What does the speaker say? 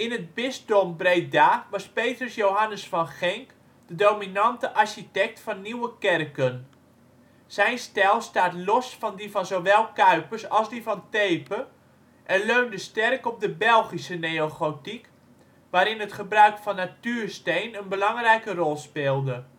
het bisdom Breda was Petrus Johannes van Genk de dominante architect van nieuwe kerken. Zijn stijl staat los van die van zowel Cuypers als die van Tepe en leunde sterk op de Belgische neogotiek, waarin het gebruik van natuursteen een belangrijke rol speelde